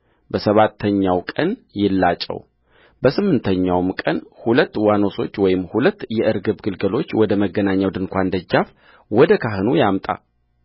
በሰባተኛው ቀን ይላጨውበስምንተኛውም ቀን ሁለት ዋኖሶች ወይም ሁለት የርግብ ግልገሎች ወደ መገናኛው ድንኳን ደጃፍ ወደ ካህኑ ያምጣ